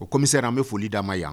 O kɔmi mi se an bɛ foli'a ma yan